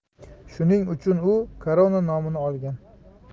shuning uchun u korona nomini olgan